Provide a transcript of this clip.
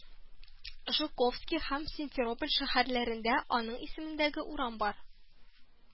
Жуковский һәм Симферополь шәһәрләрендә аның исемендәге урам бар